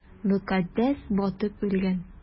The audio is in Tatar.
Мөкаддәс батып үлгән!